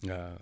waaw